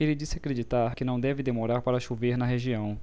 ele disse acreditar que não deve demorar para chover na região